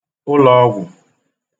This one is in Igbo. ụlọ̄ọ̄gwụ̀